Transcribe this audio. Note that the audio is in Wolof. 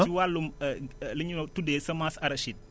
si wàllum li ñu tuddee semence arachide